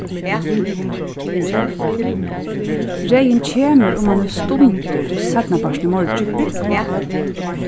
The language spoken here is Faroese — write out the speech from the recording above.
regin kemur um hann hevur stundir seinnapartin í morgin